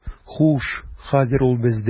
Хуш, хәзер ул бездә.